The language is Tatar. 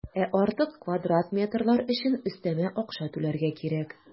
Ә артык квадрат метрлар өчен өстәмә акча түләргә кирәк.